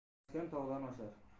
tirmashgan tog'dan oshar